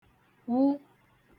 -wu